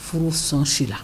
Furu sɔnsi la